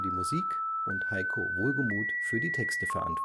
Musik) und Heiko Wohlgemuth (Texte). Einer